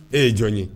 E ye jɔn ye